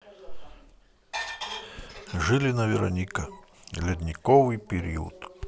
жилина вероника ледниковый период